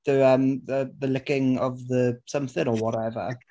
The, um, the the licking of the something or whatever*.